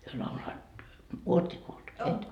he lauloivat olet sinä kuullut et